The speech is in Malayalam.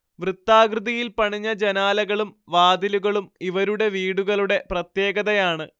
വൃത്താകൃതിയിൽ പണിഞ്ഞ ജനാലകളും വാതിലുകളും ഇവരുടെ വീടുകളുടെ പ്രത്യേകതയാണ്